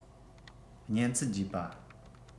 གཉན ཚད རྒྱས པ